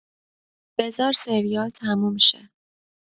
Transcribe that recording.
بذار سریال تموم شه.